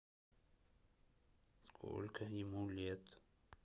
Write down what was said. сколько ему лет